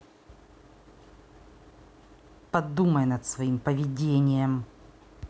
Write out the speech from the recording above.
подумай над своим поведением